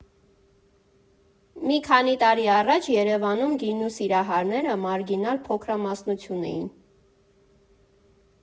Մի քանի տարի առաջ Երևանում գինու սիրահարները մարգինալ փոքրամասնություն էին։